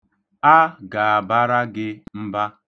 A ga-abara gị mba.